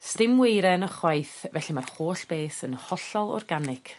Sdim weiren ychwaith felly ma'r holl beth yn hollol organig.